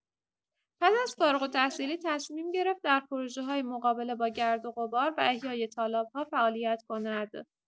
پس از فارغ‌التحصیلی تصمیم گرفت در پروژه‌های مقابله با گردوغبار و احیای تالاب‌ها فعالیت کند.